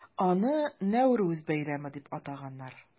Аны Нәүрүз бәйрәме дип атаганнар.